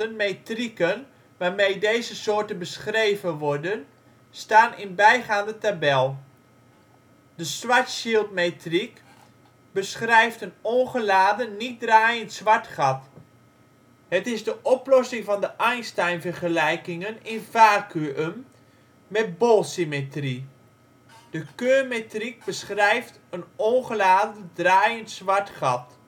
metrieken) waarmee deze soorten beschreven worden, staan in bijgaande tabel. De Schwarzschildmetriek beschrijft een ongeladen, niet-draaiend zwart gat. Het is de oplossing van de Einstein-vergelijkingen in vacuum met bolsymmetrie. De Kerrmetriek beschrijft een ongeladen, draaiend zwart gat